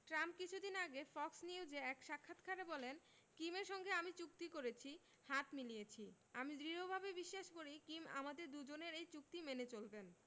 Trump কিছুদিন আগে Fox নিউজে এক সাক্ষাৎকারে বলেন কিমের সঙ্গে আমি চুক্তি করেছি হাত মিলিয়েছি আমি দৃঢ়ভাবে বিশ্বাস করি কিম আমাদের দুজনের এই চুক্তি মেনে চলবেন